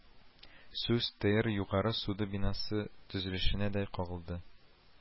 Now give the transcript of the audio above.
Сүз тээр Югары суды бинасы төзелешенә дә кагылды